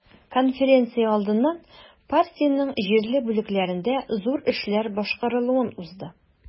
Конференция алдыннан партиянең җирле бүлекләрендә зур эшләр башкарылуын узды.